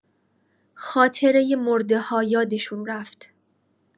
خاطرۀ مرده‌ها یادشون رفت.